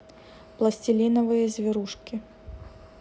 пластилиновые зверушки